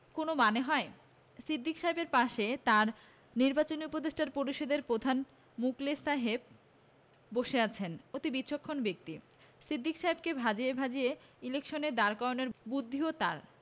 কোন মানে হয় সিদ্দিক সাহেবের পাশে তাঁর নিবাচনী উপদেষ্টা পরিষদের প্রধান মুখলেস সাহেব বসে আছেন অতি বিচক্ষণ ব্যক্তি সিদ্দিক সাহেবকে ভাজিয়ে ভাজিয়ে ইলেকশনে দাঁড় করানোর বুদ্ধিও তাঁর